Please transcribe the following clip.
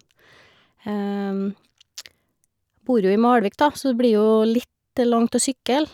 Bor jo i Malvik, da, så det blir jo litt langt å sykle.